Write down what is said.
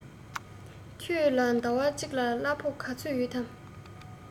ཁྱོད ལ ཟླ བ གཅིག ལ གླ ཕོགས ག ཚོད ཡོད དམ